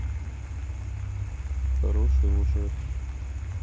хороший лжец